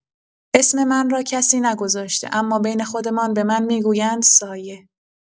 اسم من را کسی نگذاشته، اما بین خودمان به من می‌گویند سایه.